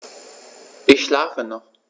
Ich schlafe noch.